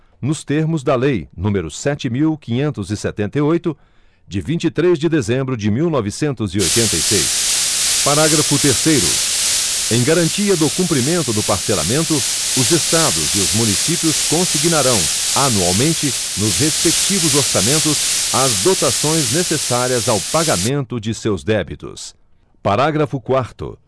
nos termos da lei número sete mil quinhentos e setenta e oito de vinte e três de dezembro de mil novecentos e oitenta e seis parágrafo terceiro em garantia do cumprimento do parcelamento os estados e os municípios consignarão anualmente nos respectivos orçamentos as dotações necessárias ao pagamento de seus débitos parágrafo quarto